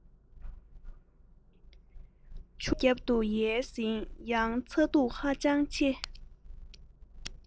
ཆུ ལྷའི རྒྱབ ཏུ ཡལ ཟིན ཡང ཚ གདུག ཧ ཅང ཆེ